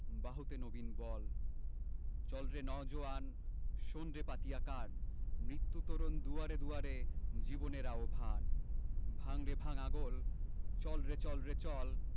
বাহুতে নবীন বল চল রে নও জোয়ান শোন রে পাতিয়া কান মৃত্যু তরণ দুয়ারে দুয়ারে জীবনের আহবান ভাঙ রে ভাঙ আগল চল রে চল রে চল